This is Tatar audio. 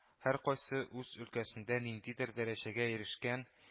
Һәркайсы үз өлкәсендә ниндидер дәрәҗәгә ирешкән